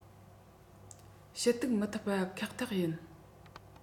ཞུ གཏུག མི ཐུབ པ ཁག ཐེག ཡིན